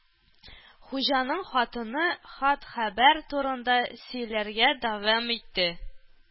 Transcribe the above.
Хуҗаның хатыны хат-хәбәр турында сөйләргә дәвам итте